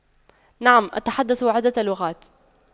نعم أتحدث عدة لغات